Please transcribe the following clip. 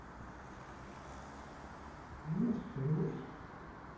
нет второй